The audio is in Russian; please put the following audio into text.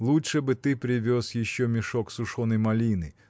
– Лучше бы ты привез еще мешок сушеной малины